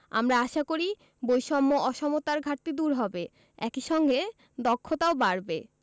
আমরা আশা করি বৈষম্য অসমতার ঘাটতি দূর হবে একই সঙ্গে দক্ষতাও বাড়বে